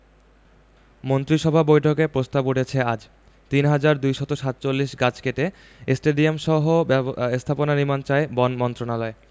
মন্ত্রিসভা বৈঠকে প্রস্তাব উঠছে আজ ৩২৪৭ গাছ কেটে স্টেডিয়ামসহ স্থাপনা নির্মাণ চায় বন মন্ত্রণালয়